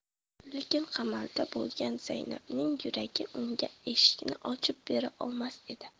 lekin qamalda bo'lgan zaynabning yuragi unga eshikni ochib bera olmas edi